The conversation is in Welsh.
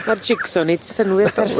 Ma'r jigsaw neud synnwyr perffeth.